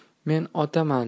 men otaman